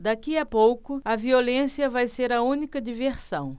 daqui a pouco a violência vai ser a única diversão